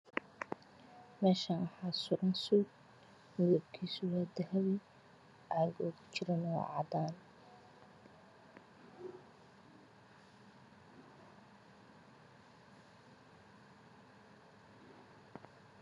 Meshan waxa suran suut midabkisa waa dahabi caga u suran yahy waa cadan